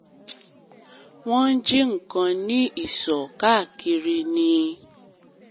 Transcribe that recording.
Wọ́n ń jí nǹkan ní isọ̀ káàkiri ni.”